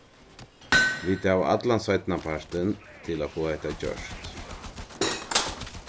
vit hava allan seinnapartin til at fáa hetta gjørt